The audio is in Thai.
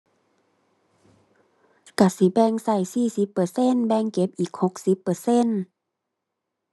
ก็สิแบ่งก็สี่สิบเปอร์เซ็นต์ แบ่งเก็บอีกหกสิบเปอร์เซ็นต์